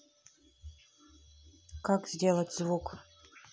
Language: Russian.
как сделать звук